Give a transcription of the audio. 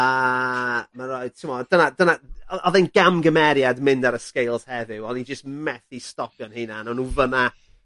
a ma' raid t'mod dyna dyna o- odd e'n gamgymeriad mynd ar y scales heddiw o'n i jys methu stopio'n hunan o' nw fyn 'na